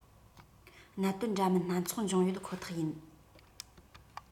གནད དོན འདྲ མིན སྣ ཚོགས འབྱུང ཡོད ཁོ ཐག ཡིན